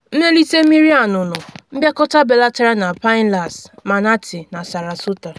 Mmelite Mmiri Anụnụ: Mbịakọta belatara na Pinellas, Manatee na Sarasota